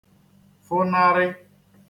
fụnarị